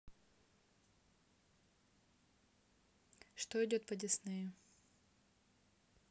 что идет по диснею